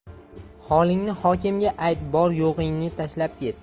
holingni hokimga ayt bor yo'g'ingni tashlab ket